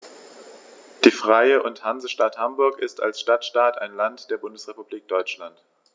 Die Freie und Hansestadt Hamburg ist als Stadtstaat ein Land der Bundesrepublik Deutschland.